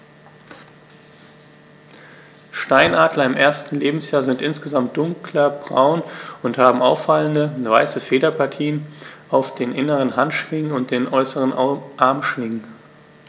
Steinadler im ersten Lebensjahr sind insgesamt dunkler braun und haben auffallende, weiße Federpartien auf den inneren Handschwingen und den äußeren Armschwingen.